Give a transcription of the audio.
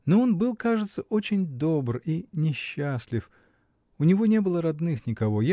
Но он был, кажется, очень добр и несчастлив: у него не было родных никого.